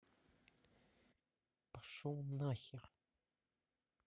пошел на хер